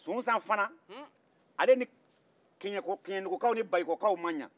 sunan fana ala nin kiɲɛdugukaw ani bayikɔkaw ma ɲɛ